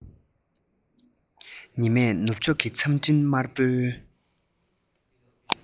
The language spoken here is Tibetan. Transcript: ཉི མས ནུབ ཕྱོགས ཀྱི མཚམས སྤྲིན དམར པོའི